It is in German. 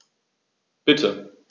Bitte.